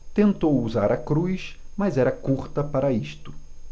tentou usar a cruz mas era curta para isto